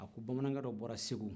a ko bamanankɛ tɔ bɔra segu